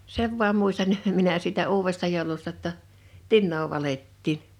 sen vain muistan minä siitä uudesta joulusta jotta tinaa valettiin